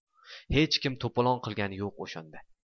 hech kim to'palon qilgani yo'q o'shanda